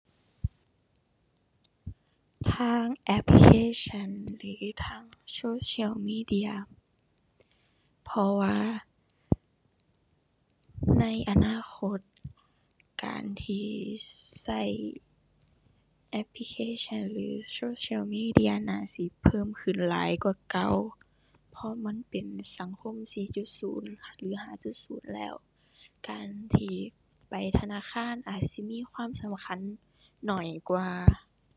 ทางแอปพลิเคชันหรือทางโซเชียลมีเดีย เพราะว่าในอนาคตการที่ใช้แอปพลิเคชันหรือโซเชียลมีเดียน่าสิเพิ่มขึ้นหลายกว่าเก่า เพราะมันเป็นสังคม 4.0 หรือ 5.0 แล้ว การที่ไปธนาคารอาจสิมีความสำคัญน้อยกว่า